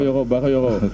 Bakhayokho Bakhayokho